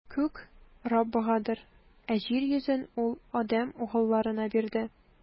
Күк - Раббыгадыр, ә җир йөзен Ул адәм угылларына бирде.